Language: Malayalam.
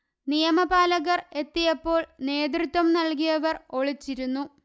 നിയമപാലകര് എത്തിയപ്പോള് നേതൃത്വം നല്കിയവര് ഒളിച്ചിരുന്നു